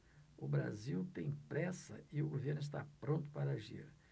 o brasil tem pressa e o governo está pronto para agir